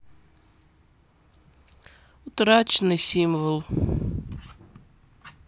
утраченный символ